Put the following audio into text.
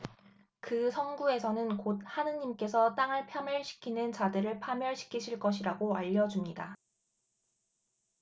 그 성구에서는 곧 하느님께서 땅을 파멸시키는 자들을 파멸시키실 것이라고 알려 줍니다